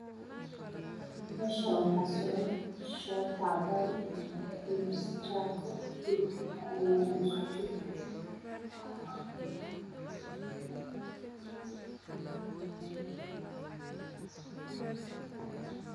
Me Shan waxa Suran shati cadan ah misis Jako bulug iyo madow iskujur eh